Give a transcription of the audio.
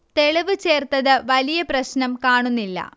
തെളിവ് ചേർത്തത് വലിയ പ്രശ്നം കാണുന്നില്ല